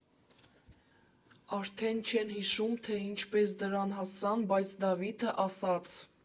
Արդեն չեն հիշում, թե ինչպես դրան հասան, բայց Դավիթն ասաց.